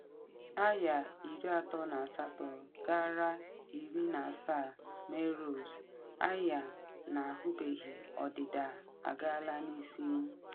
Ayr 38 - 17 Melrose: Ayr na ahụbeghị ọdịda agaala n’isi